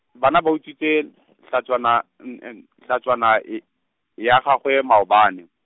bana ba utswitse , tlhatswana , tlhatswana , ya gagwe mabaane.